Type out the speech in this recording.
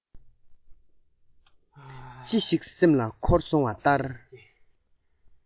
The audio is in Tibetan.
ཅི ཞིག སེམས ལ འཁོར སོང བ ལྟར